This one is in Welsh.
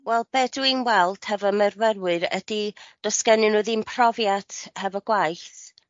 Wel be' dw i'n weld hefo myrfyrwyr ydi do's gennyn n'w ddim profiat hefo gwaith